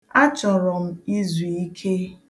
Achọrọ m izu ike.